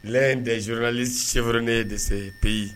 l'un des journalistes chevronné de ce pays